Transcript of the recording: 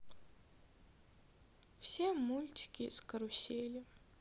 все мультики из карусели